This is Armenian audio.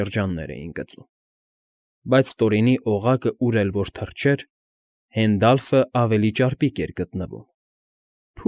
Շրջաններ էին գծում։ Բայց Տորինի օղակն ուր էլ որ թռչեր, Հենդալֆն ավելի ճարպիկ էր գտնվում։